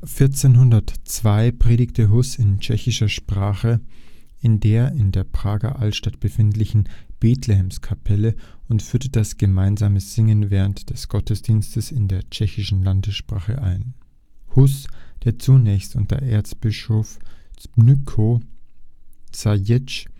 1402 predigte Hus in tschechischer Sprache in der in der Prager Altstadt befindlichen Bethlehemskapelle und führte das gemeinsame Singen während des Gottesdienstes in der tschechischen Landessprache ein. Hus, der zunächst unter Erzbischof Zbynko Zajíc